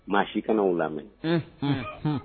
Maa si kana o lamɛn